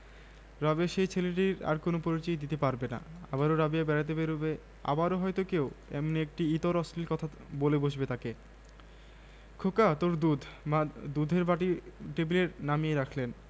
এই ভেবে পাশে ফিরে আবার ঘুমিয়ে পড়ার উদ্যোগ করতেই মায়ের কান্না শুনলাম মা অসুখ বিসুখ একেবারেই সহ্য করতে পারেন না অল্প জ্বর অল্প মাথা ব্যাথা এতেই কাহিল